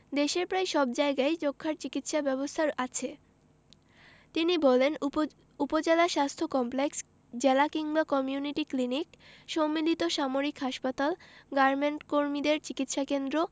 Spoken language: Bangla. দেশের প্রায় সব জায়গায় যক্ষ্মার চিকিৎসা ব্যবস্থা আছে তিনি বলেন উপ উপজেলা স্বাস্থ্য কমপ্লেক্স জেলা কিংবা কমিউনিটি ক্লিনিক সম্মিলিত সামরিক হাসপাতাল গার্মেন্টকর্মীদের চিকিৎসাকেন্দ্র